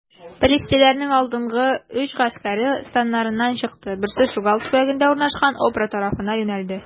Пелештиләрнең алдынгы өч гаскәре, станнарыннан чыкты: берсе Шугал төбәгендә урнашкан Опра тарафына юнәлде.